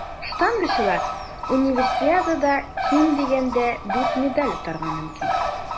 Штангачылар Универсиадада ким дигәндә дүрт медаль отарга мөмкин.